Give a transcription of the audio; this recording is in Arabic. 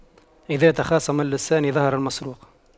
إذا تخاصم اللصان ظهر المسروق